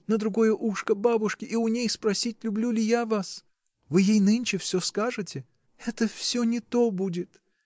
— На другое ушко бабушке, и у ней спросить, люблю ли я вас? — Вы ей нынче всё скажете. — Это всё не то будет.